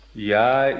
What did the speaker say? yaa